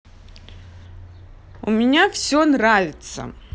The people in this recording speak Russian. у меня все нравится